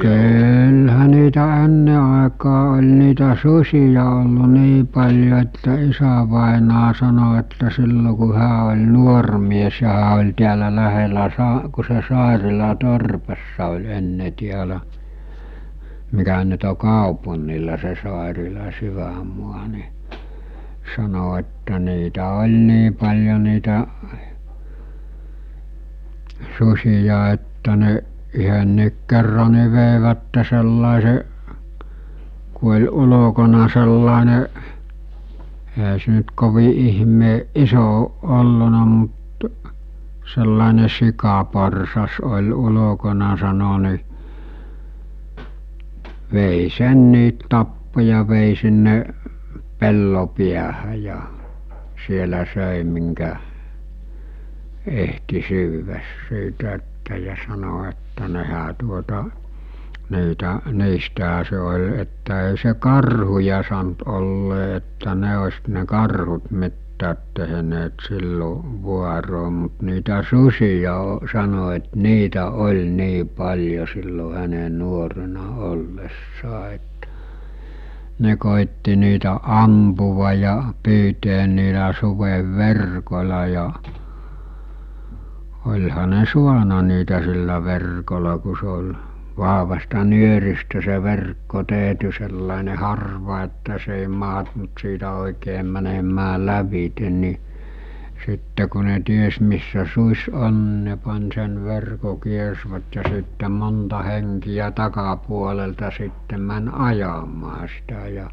kyllähän niitä ennen aikaan oli niitä susia ollut niin paljon että isävainaja sanoi että silloin kun hän oli nuori mies ja hän oli täällä lähellä - kun se Sairilan torpassa oli ennen täällä mikä nyt on kaupungilla se Sairilan sydänmaa niin sanoi että niitä oli niin paljon niitä susia että ne yhdenkin kerran niin veivät sellaisen kun oli ulkona sellainen eihän se nyt kovin ihmeen iso ole ollut mutta sellainen sikaporsas oli ulkona sanoi niin vei senkin tappoi ja vei sinne pellon päähän ja siellä söi minkä ehti syödä siitä että ja sanoi että nehän tuota niitä niistähän se oli että ei se karhuja sanonut olleen että ne olisi ne karhut mitään tehneet silloin vuoroin mutta niitä susia - sanoi että niitä oli niin paljon silloin hänen nuorena ollessaan että ne koetti niitä ampua ja pyytää niillä sudenverkoilla ja olihan ne saanut niitä sillä verkolla kun se oli vahvasta nyöristä se verkko tehty sellainen harva että se ei mahtunut siitä oikein menemään lävitse niin sitten kun ne tiesi missä susi on niin ne pani sen verkon kiersivät ja sitten monta henkeä takapuolelta sitten meni ajamaan sitä ja